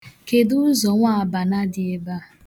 Kedu ụzọnwabana dị ebea?